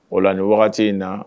O ni wagati in na